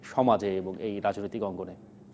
সমাজে এবং এই রাজনৈতিক অঙ্গনে